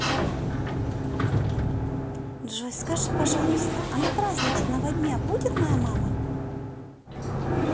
джой скажи пожалуйста она праздничного дня будет моя мама